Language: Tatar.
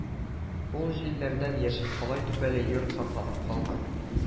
Ул җилләрдән яшел калай түбәле йорт сакланып калган